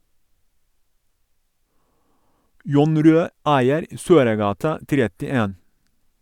Jon Rød eier Søregata 31.